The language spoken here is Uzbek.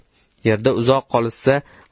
yerda uzoq qolishsa